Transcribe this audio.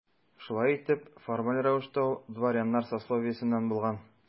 Шулай итеп, формаль рәвештә ул дворяннар сословиесеннән булган.